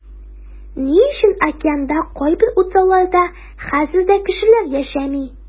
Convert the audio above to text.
Ни өчен океанда кайбер утрауларда хәзер дә кешеләр яшәми?